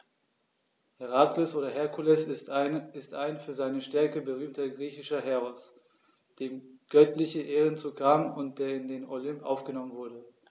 Herakles oder Herkules ist ein für seine Stärke berühmter griechischer Heros, dem göttliche Ehren zukamen und der in den Olymp aufgenommen wurde.